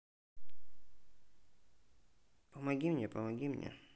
помоги мне помоги мне